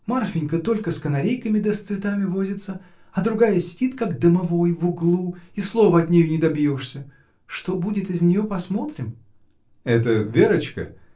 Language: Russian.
Марфинька только с канарейками да с цветами возится, а другая сидит, как домовой, в углу, и слова от нее не добьешься. Что будет из нее — посмотрим! — Это Верочка?